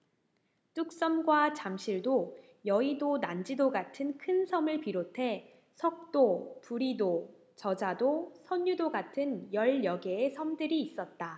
뚝섬과 잠실도 여의도 난지도 같은 큰 섬을 비롯해 석도 부리도 저자도 선유도 같은 열 여개의 섬들이 있었다